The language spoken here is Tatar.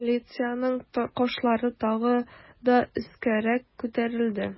Поляницаның кашлары тагы да өскәрәк күтәрелде.